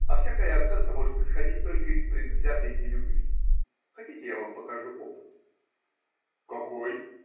А всякая оценка может исходить только из предвзятой нелюбви. Хотите, я вам покажу опыт? – Какой?